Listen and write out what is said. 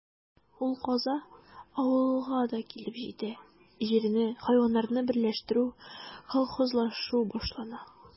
Ул каза авылга да килеп җитә: җирне, хайваннарны берләштерү, колхозлашу башлана.